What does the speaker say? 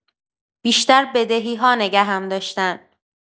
بیشتر بدهی‌ها نگهم داشتن.